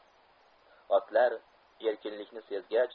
otlar erkinlikni sezgach